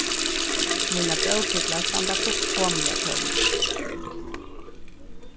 mínar bókahillar standa fullkomiliga tómar